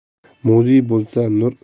muzey bo'lsa nur